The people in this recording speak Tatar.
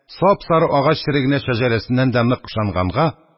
Сап-сары агач черегенә шәҗәрәсеннән дә нык ышанганга,